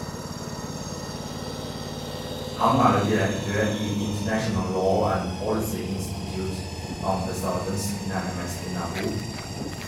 Han er direktør i "International law and policy institute", ambassadens nærmeste nabo.